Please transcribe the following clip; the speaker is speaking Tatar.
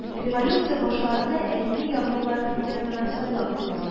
Революция башларында әтине ярлылар комитетына сайлап куялар